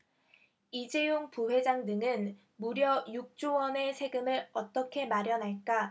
이재용 부회장 등은 무려 육 조 원의 세금을 어떻게 마련할까